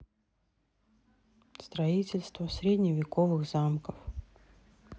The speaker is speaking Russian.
строительство средневековых замков